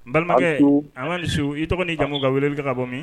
N balimakɛ a ma misi su i tɔgɔ ni jamu ka wele i bɛi ka bɔ min